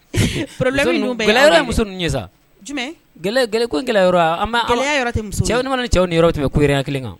Muso ɲɛ sa cɛw yɔrɔ tun bɛ kuyaereya kelen kan